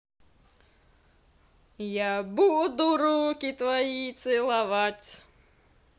я буду руки твои целовать